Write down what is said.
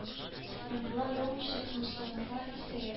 Яңгырлар яумыйча, тынычланырга иртәрәк